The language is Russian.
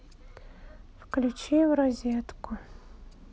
включи в розетку